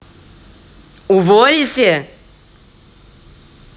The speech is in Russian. уволите